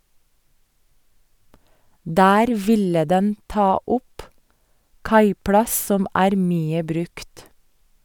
Der ville den ta opp kaiplass som er mye brukt.